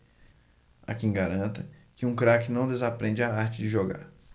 há quem garanta que um craque não desaprende a arte de jogar